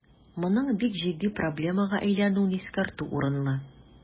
Моның бик җитди проблемага әйләнүен искәртү урынлы.